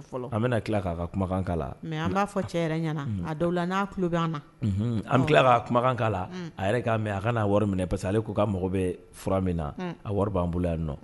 An bɛna tila k'a ka kuma kan la an b'a fɔ cɛ dɔw la n'a tulolo an an tila k'a kumakanka la a yɛrɛ k'a mɛn a ka n'a wari minɛ parce que ale k'u ka mago bɛ fura min na a wari b'an bolo yan nɔ